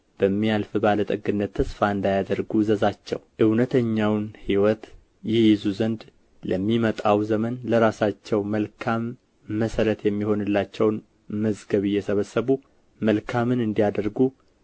በሚያልፍ ባለ ጠግነት ተስፋ እንዳያደርጉ እዘዛቸው እውነተኛውን ሕይወት ይይዙ ዘንድ ለሚመጣው ዘመን ለራሳቸው መልካም መሠረት የሚሆንላቸውን መዝገብ እየሰበሰቡ መልካምን እንዲያደርጉ